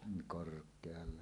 korkealla